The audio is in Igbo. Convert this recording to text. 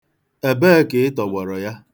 Ebee ka ị tọgbọrọ ya?